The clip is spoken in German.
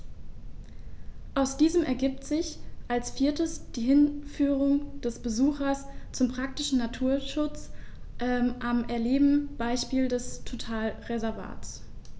Aus diesen ergibt sich als viertes die Hinführung des Besuchers zum praktischen Naturschutz am erlebten Beispiel eines Totalreservats.